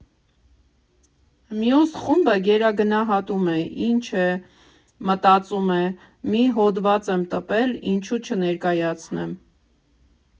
Մյուս խումբը գերագնահատում է, ի՞նչ է, մտածում է՝ մի հոդված եմ տպել, ինչո՞ւ չներկայացնեմ։